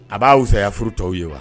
A b'a fisa sayaya furu tɔww ye wa